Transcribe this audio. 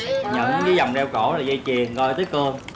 nhẩn với vòng đeo cổ rồi dây chuyền rồi tiếp tục